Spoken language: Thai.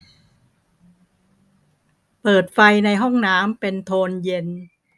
เปิดไฟในห้องน้ำเป็นโทนเย็น